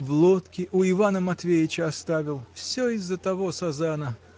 — В лодке у Ивана Матвеича оставил, всё из-за того сазана!